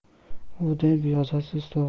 u bu deb yozasiz to'g'rimi